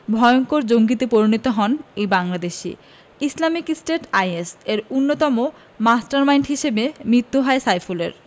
ভয়ংকর জঙ্গিতে পরিণত হন এই বাংলাদেশি ইসলামিক স্টেট আইএস এর অন্যতম মাস্টারমাইন্ড হিসেবে মৃত্যু হয় সাইফুলের